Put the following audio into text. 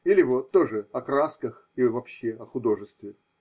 Или вот, тоже о красках и вообще о художестве.